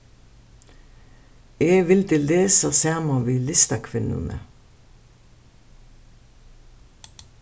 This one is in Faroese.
eg vildi lesa saman við listakvinnuni